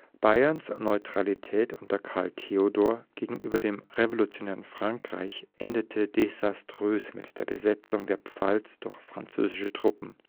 Bayerns Neutralitätspolitik unter Karl Theodor gegenüber dem revolutionären Frankreich endete desaströs mit der Besetzung der Pfalz durch französische Truppen